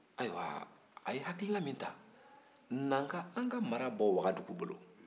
ayiwa a ye hakilina min ta na n ka an ka mara bɔ wagadu bolo